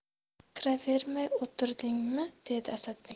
kiravermay o'tirdingmi dedi asadbek